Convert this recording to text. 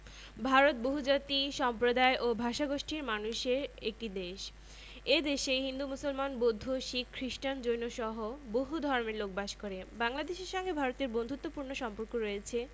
ভারতঃ ভারত আমাদের নিকটতম প্রতিবেশী দেশএটি দক্ষিন এশিয়ার একটি বৃহৎও শক্তিশালী রাষ্ট্র